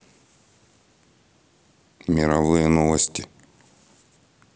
мировые новости